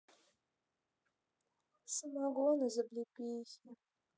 самогон из облепихи